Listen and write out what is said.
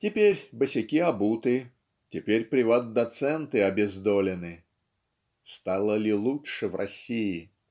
Теперь босяки обуты, теперь приват-доценты обездолены. Стало ли лучше в России?